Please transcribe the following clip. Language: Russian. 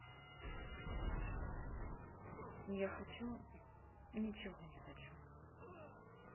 я хочу ничего не хочу